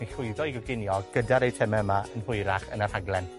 ...yn llwyddo i goginio gyda'r eiteme yma yn hwyrach yn y rhaglen.